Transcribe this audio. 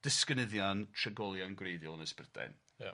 disgynyddion trigolion gwreiddiol Ynys Brydain,